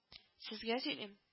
- сезгә сөйлим